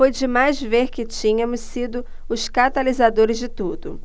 foi demais ver que tínhamos sido os catalisadores de tudo